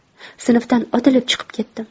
sinfdan otilib chiqib ketdim